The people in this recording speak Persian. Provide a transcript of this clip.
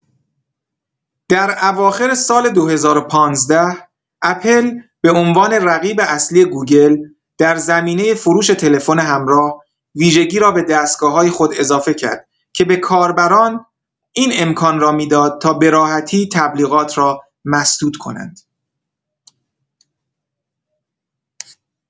در اواخر سال ۲۰۱۵، اپل به عنوان رقیب اصلی گوگل در زمینه فروش تلفن همراه ویژگی را به دستگاه‌های خود اضافه کرد که به کاربران این امکان را می‌داد تا به راحتی تبلیغات را مسدود کنند.